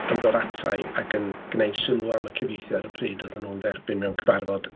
Yn dod ata i ac yn gwneud sylw am y cyfeithu ar y pryd oeddan nhw'n ei dderbyn mewn cyfarfod.